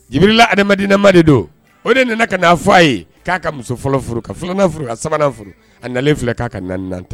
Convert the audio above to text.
Jiribila adamaden lama de do o de nana ka na fɔ a ye k'a ka muso fɔlɔ furu ka 2 nan furu ka 3 nan furu a nalen filɛ k'a ka